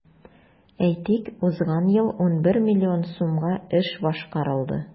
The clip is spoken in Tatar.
Әйтик, узган ел 11 миллион сумга эш башкарылды.